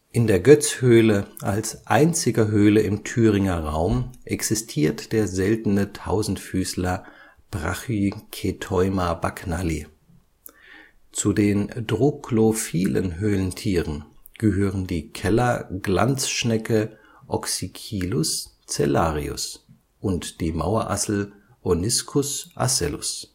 In der Goetz-Höhle als einziger Höhle im Thüringer Raum existiert der seltene Tausendfüßer Brachychaeteuma bagnalli. Zu den troglophilen Höhlentieren gehören die Keller-Glanzschnecke Oxychilus cellarius und die Mauerassel Oniscus asellus